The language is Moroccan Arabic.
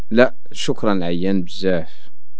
لا شكرا عيان بزاف